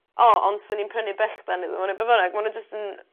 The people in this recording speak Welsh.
O ond 'swn i'n prynu brechad iddo fo neu be' bynnag ma' n'w jyst yn